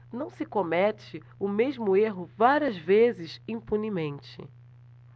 não se comete o mesmo erro várias vezes impunemente